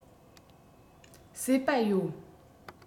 སོས པ ཡོད